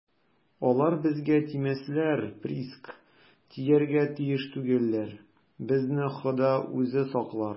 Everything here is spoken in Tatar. - алар безгә тимәсләр, приск, тияргә тиеш түгелләр, безне хода үзе саклар.